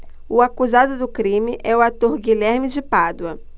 o acusado do crime é o ator guilherme de pádua